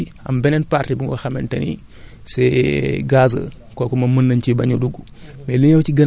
am partie organique bi am beneen partie bu nga xamante ni c' est gazeux kooku moom mën nañ cee bañ a dugg